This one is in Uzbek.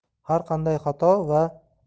har qanday xato